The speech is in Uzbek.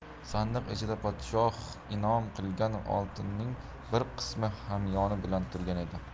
sandiq ichida podshoh inom qilgan oltinning bir qismi hamyoni bilan turgan edi